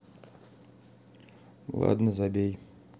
ладно забей